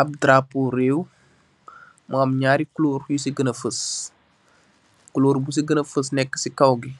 Ab darapo rew mu am nyari kulorr nyu sey gena fess kulorr bu sey gena fess neka sey kawbi